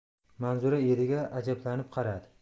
manzura eriga ajablanib qaradi